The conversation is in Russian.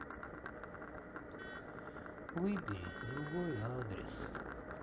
выбери другой адрес